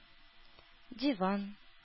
Диван